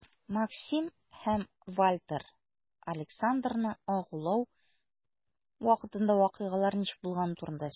Максим һәм Вальтер Александрны агулау вакытында вакыйгалар ничек булганы турында сөйлиләр.